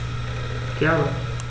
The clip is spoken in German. Gerne.